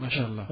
maasaa àllaa